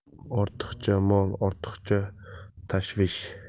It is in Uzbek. ortiqcha mol ortiqcha tashvish